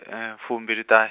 fumbiliṱahe.